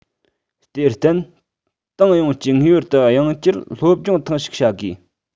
དེར བརྟེན ཏང ཡོངས ཀྱིས ངེས པར དུ ཡང བསྐྱར སློབ སྦྱོང ཐེངས ཤིག བྱ དགོས